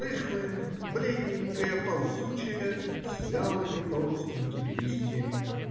рыхлая, бледненькая, ползучая, с вялыми толстенькими листьями.